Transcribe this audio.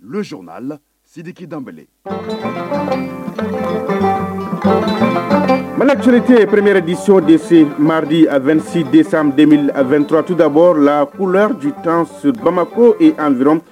Son la sidikidab manaurrete premeeredi so de semadi a2si ded a2ttaratudabɔ la k kula ju tanso bamakɔko anfir